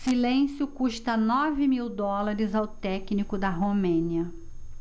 silêncio custa nove mil dólares ao técnico da romênia